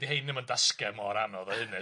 ...'di hein ddim yn dasgia mor anodd â hynny.